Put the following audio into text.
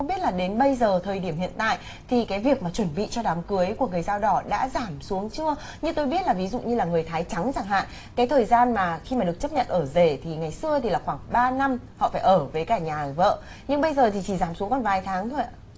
biết là đến bây giờ thời điểm hiện tại thì cái việc mà chuẩn bị cho đám cưới của người dao đỏ đã giảm xuống chua như tôi biết là ví dụ như là người thái trắng chẳng hạn cái thời gian mà khi mà được chấp nhận ở rể thì ngày xưa thì là khoảng ba năm họ phải ở với cả nhà vợ nhưng bây giờ thì chỉ giảm xuống còn vài tháng thôi ạ